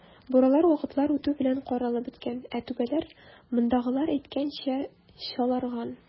Буралар вакытлар үтү белән каралып беткән, ә түбәләр, мондагылар әйткәнчә, "чаларган".